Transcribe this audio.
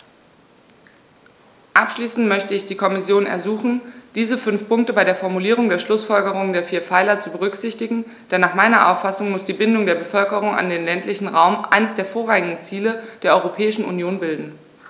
Abschließend möchte ich die Kommission ersuchen, diese fünf Punkte bei der Formulierung der Schlußfolgerungen der vier Pfeiler zu berücksichtigen, denn nach meiner Auffassung muss die Bindung der Bevölkerung an den ländlichen Raum eines der vorrangigen Ziele der Europäischen Union bilden.